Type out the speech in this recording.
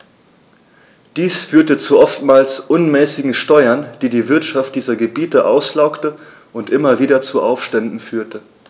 Dies führte zu oftmals unmäßigen Steuern, die die Wirtschaft dieser Gebiete auslaugte und immer wieder zu Aufständen führte.